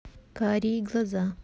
карие глаза